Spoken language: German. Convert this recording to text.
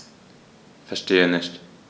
Verstehe nicht.